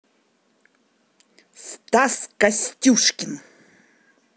стас костюшкин